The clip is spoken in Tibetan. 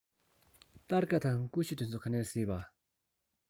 སྟར ཁ དང ཀུ ཤུ དེ ཚོ ག ནས གཟིགས པ